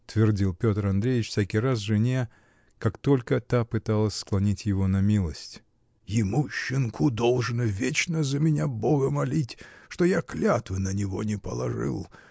-- твердил Петр Андреич всякий раз жене, как только та пыталась склонить его на милость, -- ему, щенку, должно вечно за меня бога молить, что я клятвы на него не положил